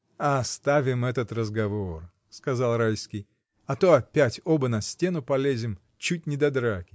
— Оставим этот разговор, — сказал Райский, — а то опять оба на стену полезем, чуть не до драки.